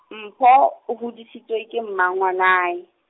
Mpho, o hodisitswe ke mmangwanae.